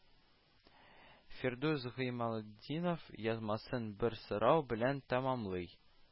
Фирдүс Гыймалтдинов язмасын бер сорау белән тәмамлый